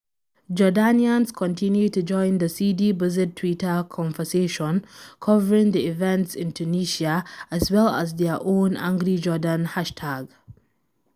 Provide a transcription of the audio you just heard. Jordanians continue to join the #sidibouzid Twitter conversation (covering the events in Tunisia), as well as their own #angryjordan hashtag.